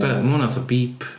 Be? Mae hwnna fatha beep.